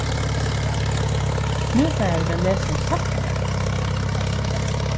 nú fara vit at lesa um saltangará